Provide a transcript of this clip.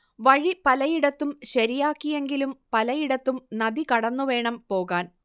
വഴി പലയിടത്തും ശരിയാക്കിയെങ്കിലും പലയിടത്തും നദി കടന്നുവേണം പോകാൻ